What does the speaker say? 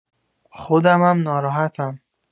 خودمم ناراحتم